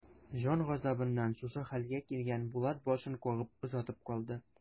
Җан газабыннан шушы хәлгә килгән Булат башын кагып озатып калды.